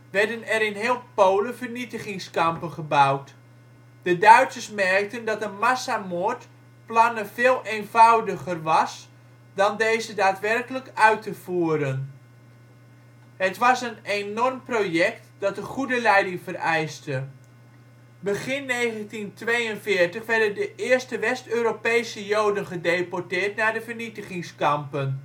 werden er in heel Polen vernietigingskampen gebouwd. De Duitsers merkten dat een massamoord plannen veel eenvoudiger was dan deze daadwerkelijk uit te voeren. Het was een enorm project dat een goede leiding vereiste. Begin 1942 werden de eerste West-Europese Joden gedeporteerd naar de vernietigingskampen. De